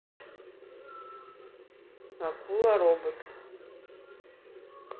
акула робот